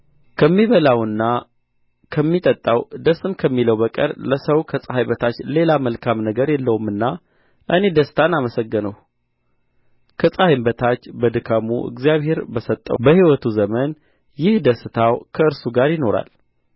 ከሚበላውና ከሚጠጣው ደስም ከሚለው በቀር ለሰው ከፀሐይ በታች ሌላ መልካም ነገር የለውምና እኔ ደስታን አመሰገንሁ ከፀሐይም በታች ከድካሙ እግዚአብሔር በሰጠው በሕይወቱ ዘመን ይህ ደስታው ከእርሱ ጋር ይኖራል